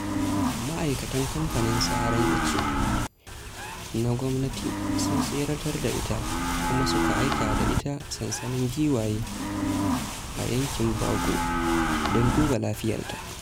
Ma'aikatan kamfanin saran ice na gwamnati sun tseratar da ita kuma suka aika da ita sansanin giwaye a Yankin Bago don duba lafiyarta.